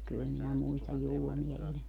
kyllä minä muistan julmia ilmoja